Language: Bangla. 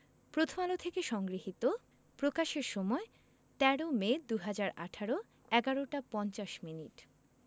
প্রথম আলো থেকে সংগৃহীত প্রকাশের সময় ১৩ মে ২০১৮ ১১ টা ৫০ মিনিট